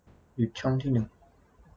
ยึดช่องที่หนึ่ง